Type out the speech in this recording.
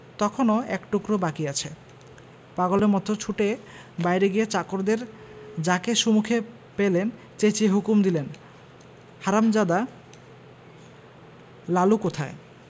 তখনও এক টুকরো বাকি আছে পাগলের মত ছুটে বাহিরে গিয়ে চাকরদের যাকে সুমুখে পেলেন চেঁচিয়ে হুকুম দিলেন হারামজাদা লালু কোথায়